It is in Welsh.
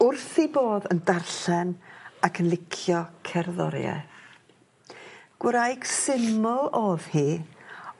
Wrth ei bodd yn darllen ac yn licio cerddorieth. Gwraig syml o'dd hi